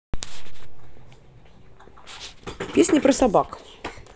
песни про собак